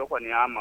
O kɔni y'a ma